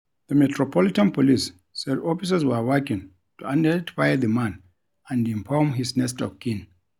The Metropolitan Police said officers were working to identify the man and inform his next-of-kin.